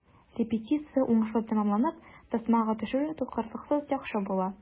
Репетиция уңышлы тәмамланып, тасмага төшерү тоткарлыксыз яхшы була.